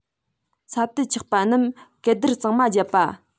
ས ཐལ ཆགས པ རྣམས གད བདར གཙང མ བརྒྱབ པ